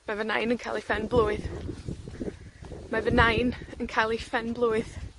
Mae fy nain yn cael ei phen-blwydd. Mae fy nain yn cael ei phen-blwydd.